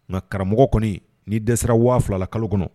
Nka karamɔgɔ kɔni ni dɛsɛra waaulala kalo kɔnɔ